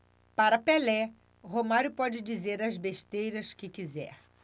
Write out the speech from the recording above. para pelé romário pode dizer as besteiras que quiser